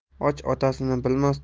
och otasini bilmas